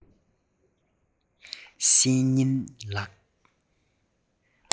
བཤེས གཉེན ལགས